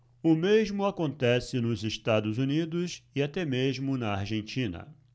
o mesmo acontece nos estados unidos e até mesmo na argentina